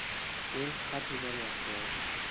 men xat yubormoqchiman